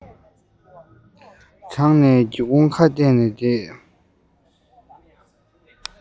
སྒོ ནས སྒེའུ ཁུང ཁ གཏད ཀྱི རི བོ དེ ནས གྲགས འོང བ ཐོས